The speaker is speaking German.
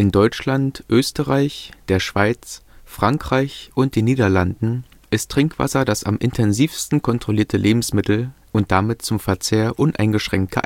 Deutschland, Österreich, der Schweiz, Frankreich und den Niederlanden ist Trinkwasser das am intensivsten kontrollierte Lebensmittel und damit zum Verzehr uneingeschränkt